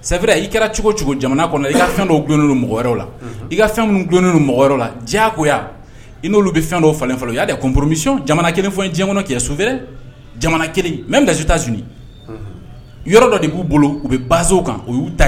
Sɛɛrɛ i kɛra cogo cogo jamana kɔnɔ i ka fɛn dɔw bulonin wɛrɛ la i ka fɛn bulonin mɔgɔ la diya koya i n'olu bɛ fɛn dɔw falen fɔlɔ y'a kunoromisi jamana kelen fɔ jɛkɔnɔ cɛ sufɛ jamana kelen mɛ bila sutas yɔrɔ dɔ de b'u bolo u bɛ bazw kan o y'u ta